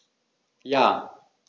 Ja.